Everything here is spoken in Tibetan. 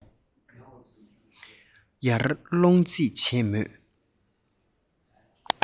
ཡར སློང རྩིས བྱས མོད